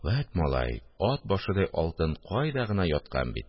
Вәт, малай, ат башыдай алтын кайда гына яткан бит